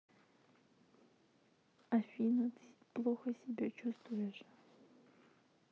афина ты плохо себя чувствуешь